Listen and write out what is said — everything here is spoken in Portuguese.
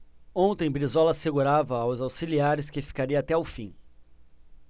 ontem brizola assegurava aos auxiliares que ficaria até o fim